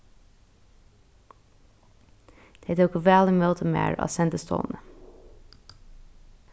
tey tóku væl ímóti mær á sendistovuni